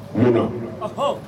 Mun